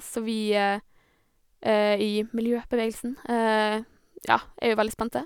Så vi i miljøbevegelsen, ja, er jo veldig spente.